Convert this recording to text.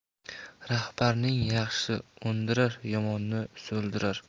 rahbarning yaxshisi undirar yomoni so'ldirar